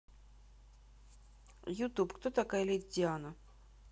youtube кто такая леди диана